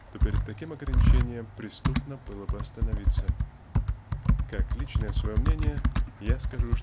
то перед таким ограничением преступно было бы остановиться. Как личное свое мнение я скажу